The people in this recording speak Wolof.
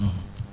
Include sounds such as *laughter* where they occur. *hesitation* *hesitation*